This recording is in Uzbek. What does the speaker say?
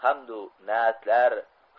hamdu na'tlar